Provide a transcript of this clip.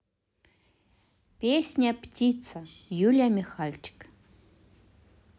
песня птица юлия михальчик